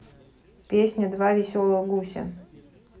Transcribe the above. песня два веселых гуся